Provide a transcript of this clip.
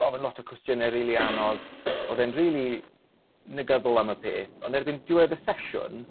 gofyn lot o cwestiyne rili anodd o'dd e'n rili negyddol am y peth on' erbyn diwedd y sesiwn